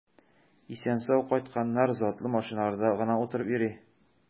Исән-сау кайтканнар затлы машиналарда гына утырып йөри.